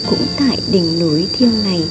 cũng tại đỉnh núi thiêng này